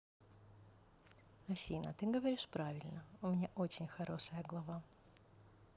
афина ты говоришь правильно у меня очень хорошая глава